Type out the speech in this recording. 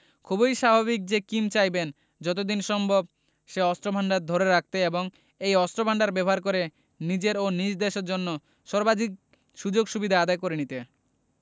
খুবই স্বাভাবিক যে কিম চাইবেন যত দিন সম্ভব সে অস্ত্রভান্ডার ধরে রাখতে এবং এই অস্ত্রভান্ডার ব্যবহার করে নিজের ও নিজ দেশের জন্য সর্বাধিক সুযোগ সুবিধা আদায় করে নিতে